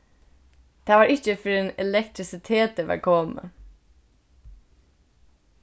tað var ikki fyrr enn elektrisitetið var komið